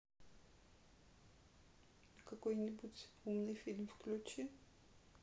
а какой нибудь умный фильм включи